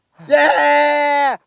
dê